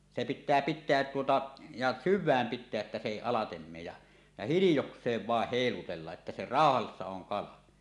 se pitää pitää tuota ja syvään pitää että se ei alitse mene ja ja hiljakseen vain heilutella että se rauhassa on kala